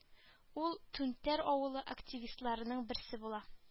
Ул түнтәр авылы активистларының берсе була